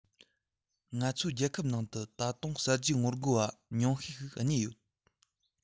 ང ཚོའི རྒྱལ ཁབ ནང དུ ད དུང གསར བརྗེར ངོ རྒོལ པ ཉུང ཤས ཤིག གནས ཡོད